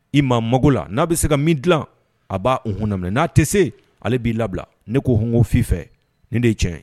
I maa mago la n'a bɛ se ka min dilan a b'a unhun laminɛ n'a tɛ se ale b'i labila, ne ko hun, n ko fifɛ, nin de ye tiɲɛ ye